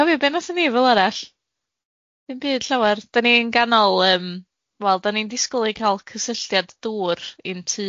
Dwi'm yn cofio be nathon ni fel arall dim byd llawar. Da ni'n ganol yym wel 'da ni'n disgwl i cal cysylltiad dŵr i'n tŷ ni